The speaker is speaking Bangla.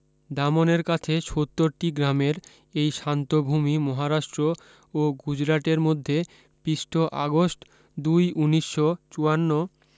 দামনের কাছে সত্তর টি গ্রামের এই শান্ত ভুমি মহারাষ্ট্র ও গুজরাটের মধ্যে পিষ্ট আগষ্ট দুই উনিশশ চুয়ান্ন